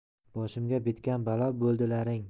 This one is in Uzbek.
boshimga bitgan balo bo'ldilaring